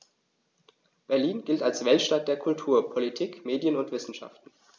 Berlin gilt als Weltstadt der Kultur, Politik, Medien und Wissenschaften.